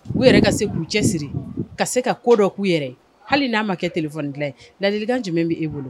U yɛrɛ ka se k'u cɛsiri ka se ka kodɔ k'u yɛrɛ ye, hali n'a ma kɛ telephone dilan ye ladili kan jumɛn bɛ e bolo?